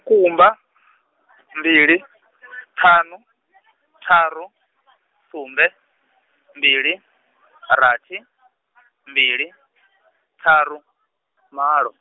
kumba, mbili, ṱhanu, ṱharu, sumbe, mbili, rathi, mbili, ṱharu, malo.